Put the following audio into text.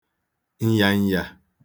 ǹyànyà